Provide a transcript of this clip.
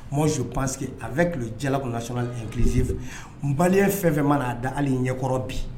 Mɔ su pante a bɛ kilo jala kunnas ki senfɛ n bali fɛn fɛn mana'a da ale ɲɛkɔrɔ bi